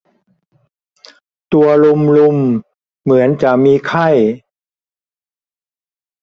ตัวรุมรุมเหมือนจะมีไข้